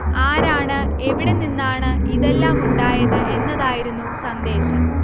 ആരാണ് എവിടെ നിന്നാണ് ഇതെല്ലാമുണ്ടായത് എന്നതായിരുന്നു സന്ദേശം